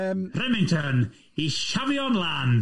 Yym, Remington, i shafio'n lân!